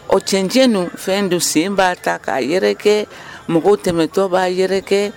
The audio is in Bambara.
O cɛnc don fɛn don sen b'a ta k'a yɛrɛ kɛ mɔgɔ tɛmɛtɔ b'a yɛrɛ kɛ